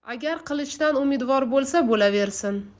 agar qilichdan umidvor bo'lsa bo'laversin